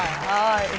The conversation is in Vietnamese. ơi